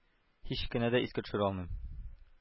Һич кенә дә искә төшерә алмыйм.